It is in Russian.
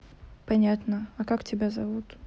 понятно а как тебя зовут